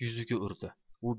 yuziga urdi